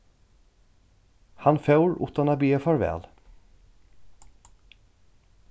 hann fór uttan at biðja farvæl